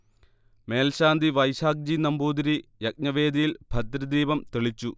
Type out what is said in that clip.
മേൽശാന്തി വൈശാഖ് ജി. നമ്പൂതിരി യജ്ഞവേദിയിൽ ഭദ്രദീപം തെളിച്ചു